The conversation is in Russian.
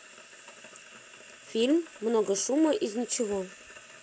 фильм много шума из ничего